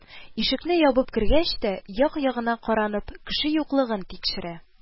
Ишекне ябып кергәч тә, як-ягына каранып, кеше юклыгын тикшерә